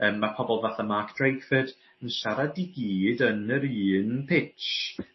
Yym ma' pobol fatha Mark Drakeford yn siarad i gyd yn yr un pitch.